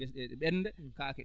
gese ɗee ɗe ɓennda kaake